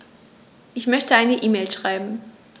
Ich möchte eine E-Mail schreiben.